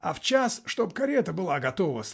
"А в час чтобы карета была готова!